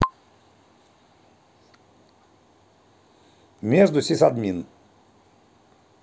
между сисадмин